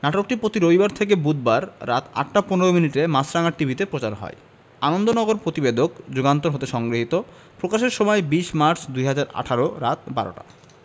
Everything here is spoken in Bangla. নাটকটি প্রতি রোববার থেকে বুধবার রাত ৮টা ১৫ মিনিটে মাছরাঙা টিভিতে প্রচার হয় আনন্দনগর প্রতিবেদক যুগান্তর হতে সংগৃহীত প্রকাশের সময় ২০মার্চ ২০১৮ রাত ১২ টা